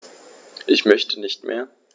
Ich möchte nicht mehr.